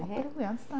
O, briliant de